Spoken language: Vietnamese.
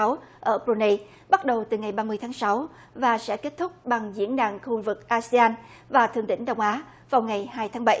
sáu ở bờ ru nây bắt đầu từ ngày ba mươi tháng sáu và sẽ kết thúc bằng diễn đàn khu vực a si an và thượng đỉnh đông á vào ngày hai tháng bảy